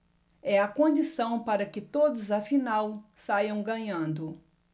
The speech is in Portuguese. é a condição para que todos afinal saiam ganhando